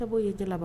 ' ye jala wa